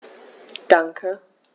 Danke.